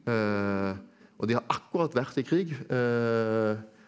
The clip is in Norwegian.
og de har akkurat vært i krig .